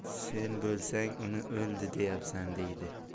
sen bo'lsang uni o'ldi deyapsan deydi